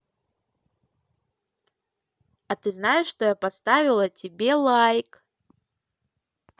а ты знаешь что я поставила тебе лайк